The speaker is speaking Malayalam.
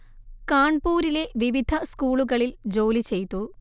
കാൺപൂരിലെ വിവിധ സ്കൂളുകളിൽ ജോലി ചെയ്തു